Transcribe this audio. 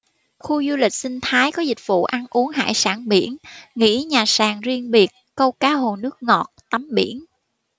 khu du lịch sinh thái có dịch vụ ăn uống hải sản biển nghỉ nhà sàn riêng biệt câu cá hồ nước ngọt tắm biển